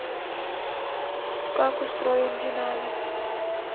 как устроен динамик